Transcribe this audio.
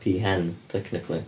Peahen, technically.